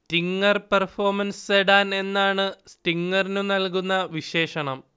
Stinger performance sedan എന്നാണ് സ്റ്റിങ്ങറിന് നൽകുന്ന വിശേഷണം